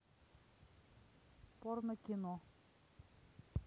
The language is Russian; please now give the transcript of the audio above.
порно кино